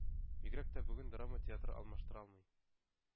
Бигрәк тә бүген драма театрын алмаштыра алмый.